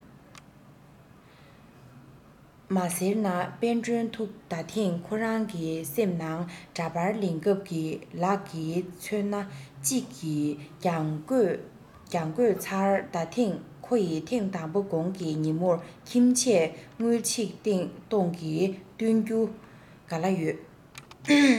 མ ཟེར ན དཔལ སྒྲོན ཐུགས ད ཐེངས ཁོ རང གི སེམས ནང དྲ པར ལེན སྐབས ཀྱི ལག གི མཚོན ན གཅིག གི རྒྱང བསྐྱོད ཚར ད ཐེངས ཁོ ཡི ཐེངས དང པོ གོང གི ཉིན མོར ཁྱིམ ཆས དངུལ ཆིག སྟོང ནི སྟོན རྒྱུ ག ལ ཡོད